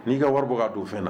N'i ka wari bɔ kaa don o fɛ na